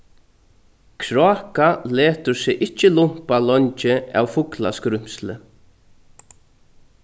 kráka letur seg ikki lumpa leingi av fuglaskrímsli